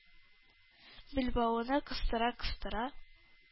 Билбавына кыстыра-кыстыра,